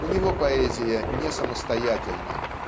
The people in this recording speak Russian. У него поэзия несамостоятельна